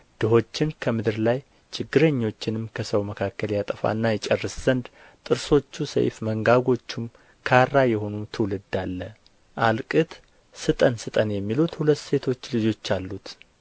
ድሆችን ከምድር ላይ ችግረኞችንም ከሰው መካከል ያጠፋና ይጨርስ ዘንድ ጥርሶቹ ሰይፍ መንጋጎቹም ካራ የሆኑ ትውልድ አለ አልቅት ስጠን ስጠን የሚሉ ሁለት ሴቶች ልጆች አሉት